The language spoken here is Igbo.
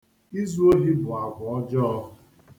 Izu ohi bụ àgwà ọjọọ.